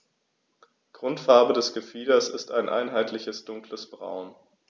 Grundfarbe des Gefieders ist ein einheitliches dunkles Braun.